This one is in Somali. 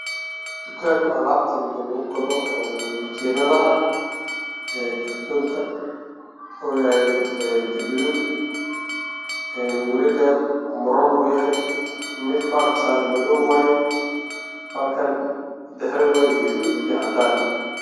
Waa tukan waxay yaalo makiinadaha madow qaxwi